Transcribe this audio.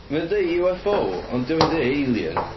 Mae o'n deud UFO, ond dio'm yn deud alien.